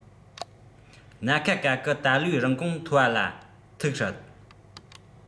སྣ ཁ ག གི ད ལོའི རིན གོང མཐོ བ ལ ཐུག སྲིད